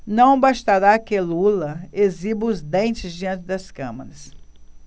não bastará que lula exiba os dentes diante das câmeras